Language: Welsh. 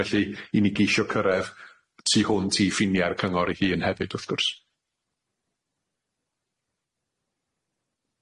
Felly i ni geisio cyrredd tŷ hwn i ffiniau'r cyngor i hŷn hefyd wrth gwrs.